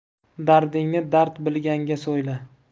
dardingni dard bilganga so'yla